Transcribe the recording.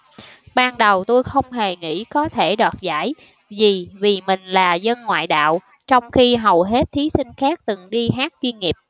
ban đầu tôi không hề nghĩ có thể đoạt giải gì vì mình là dân ngoại đạo trong khi hầu hết thí sinh khác từng đi hát chuyên nghiệp